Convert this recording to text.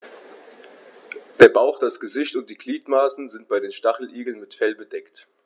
Der Bauch, das Gesicht und die Gliedmaßen sind bei den Stacheligeln mit Fell bedeckt.